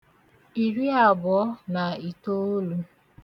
ìriàbụ̀ọ nà ìtoolū